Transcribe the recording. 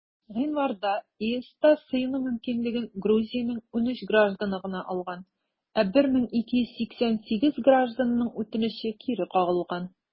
Гыйнварда ЕСта сыену мөмкинлеген Грузиянең 13 гражданы гына алган, ә 1288 гражданның үтенече кире кагылган.